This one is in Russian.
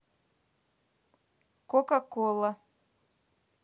кока кола